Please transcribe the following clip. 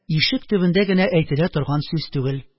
Ишек төбендә генә әйтелә торган сүз түгел